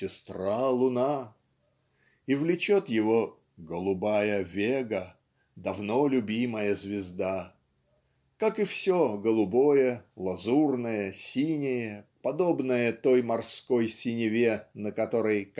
"сестра-луна", и влечет его "голубая Вега, давно любимая звезда", как и все голубое, лазурное, синее, подобное той морской синеве, на которой